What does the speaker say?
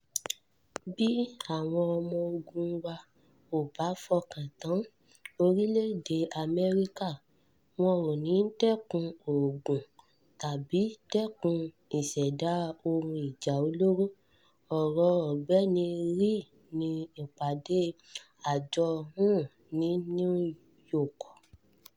”Bí àwọn ọmọ-ogun wa ‘ò bá fọkàntán orílẹ̀-èdè Amẹ́ríkà, wọn ‘ò ní dẹkun ogun tàbí dẹ́kun ìṣẹ̀dá ohun ìjà olóró,” ọ̀rọ̀ Ọ̀gbẹ́ni Ri ní ìpàdé Àjọ UN ní New York.